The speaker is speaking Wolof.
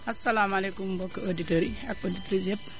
asalaamaleykum mbokki auditeurs yi ak auditrices yépp